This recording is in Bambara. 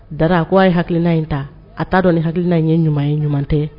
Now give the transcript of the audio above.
Dara a k ko a ye hakilina in ta a t'a dɔn hakiina ye ɲuman ye ɲuman tɛ